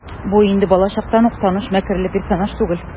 Бу инде балачактан ук таныш мәкерле персонаж түгел.